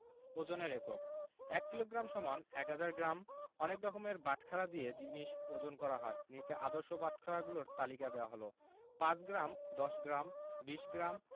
ওজনের এককঃ ১ kilogram = ১০০০ gram অনেক রকমের বাটখারা দিয়ে জিনিস ওজন করা হয় নিচে আদর্শ বাটখারাগুলোর তালিকা দেয়া হলঃ ৫ গ্রাম ১০গ্ৰাম ২০ গ্রাম